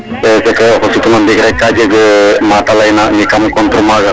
o koyo oxe sutuna ndiki rek ka jeg mata layna mi kaam contre maaga